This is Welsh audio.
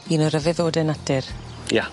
Un o ryfeddode natur. Ia.